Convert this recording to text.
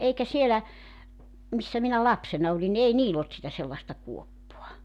eikä siellä missä minä lapsena olin niin ei niillä ollut sitä sellaista kuoppaa